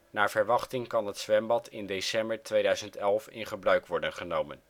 Naar verwachting kan het zwembad in december 2011 in gebruik worden genomen